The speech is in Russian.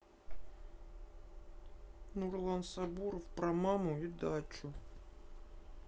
нурлан сабуров про маму и дачу